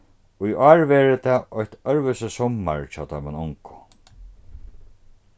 í ár verður tað eitt øðrvísi summar hjá teimum ungu